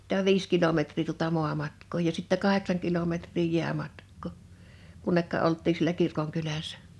mitä viisi kilometriä tuota maamatkaa ja sitten kahdeksan kilometriä jäämatkaa kunne oltiin siellä kirkonkylässä